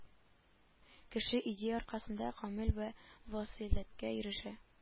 Кеше идея аркасында кәмаль вә фазыйләткә ирешә